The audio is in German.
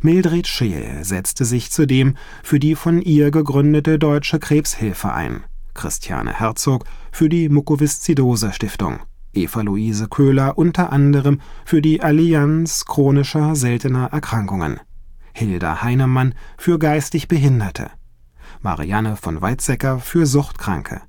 Mildred Scheel setzte sich zudem für die von ihr gegründete Deutsche Krebshilfe ein, Christiane Herzog für die Mukoviszidose-Stiftung, Eva Luise Köhler u. a. für die Allianz Chronischer Seltener Erkrankungen, Hilda Heinemann für geistig Behinderte, Marianne von Weizsäcker für Suchtkranke,